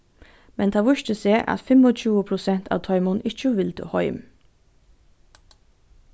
men tað vísti seg at fimmogtjúgu prosent av teimum ikki vildu heim